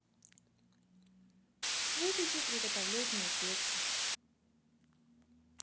выключить приготовление кексов